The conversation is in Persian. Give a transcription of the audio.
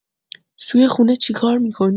توی خونه چی کار می‌کنی؟